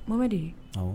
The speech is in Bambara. Mɔ bɛ de ye